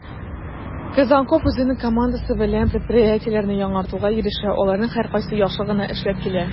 Козонков үзенең командасы белән предприятиеләрне яңартуга ирешә, аларның һәркайсы яхшы гына эшләп килә: